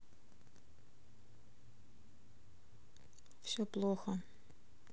все плохо